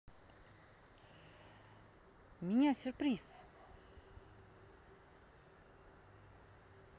меня сюрприз